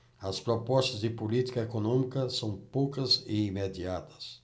as propostas de política econômica são poucas e imediatas